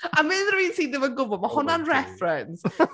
Am unrhyw un sy ddim yn gwybod, mae hwnna'n reference...